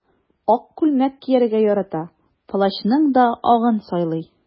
Ак күлмәк кияргә ярата, плащның да агын сайлый.